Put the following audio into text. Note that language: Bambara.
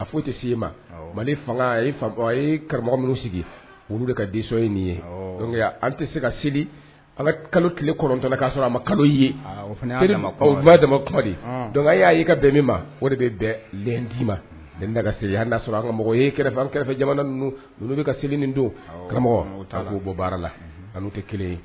A foyi tɛ se ma mali fanga a ye karamɔgɔ minnu sigi olu de ka disɔn ye nin ye an tɛ se ka seli ala kalo tile kɔnɔntɔn k'a sɔrɔ a ma kalo ye damadi y'a' ka bɛn ma o de bɛ dɛ d ma le'a sɔrɔ ka mɔgɔ kɛrɛfɛ kɛrɛfɛ jamana ninnu olu ka seli don karamɔgɔ b'o bɔ baara la ani' tɛ kelen ye